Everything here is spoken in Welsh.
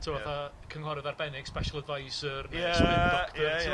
T'mo' fatha cynghorydd arbennig special adviser ne'... Ia. ...spindoctor ti'mo? Ie ie.